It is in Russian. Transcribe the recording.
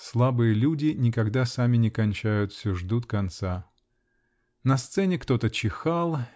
Слабые люди никогда сами не кончают -- все ждут конца. На сцене кто-то чихал